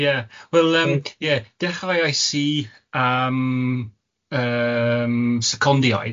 Ie wel yym ie dechrauais i am yym secondiaid